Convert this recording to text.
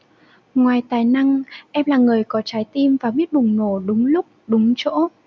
ngoài tài năng em là người có trái tim và biết bùng nổ đúng lúc đúng chỗ